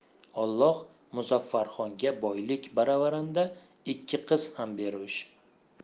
olloh muzaffarxonga boylik barobarinda ikki qiz ham bermish